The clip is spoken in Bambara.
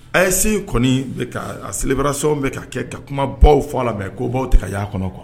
A ye sin kɔni selibarara sɔnw bɛ ka kɛ ka kuma baw fɔ a la mɛ ko baw tɛ ka' kɔnɔ qu kuwa